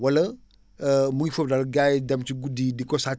wala muy * gars yi dem ci guddi di ko sàcc